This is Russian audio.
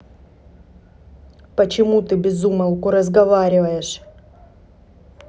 почему ты безумолку разговариваешь